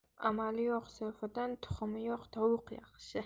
amali yo'q so'fidan tuxumi yo'q tovuq yaxshi